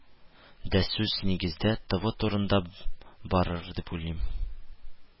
Дә сүз, нигездә, тв турында барыр дип уйлыйм